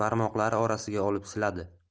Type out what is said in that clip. barmoqlari orasiga olib siladi